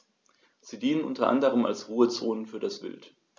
Sie dienen unter anderem als Ruhezonen für das Wild.